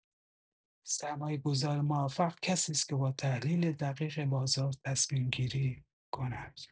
سرمایه‌گذار موفق کسی است که با تحلیل دقیق بازار تصمیم‌گیری کند.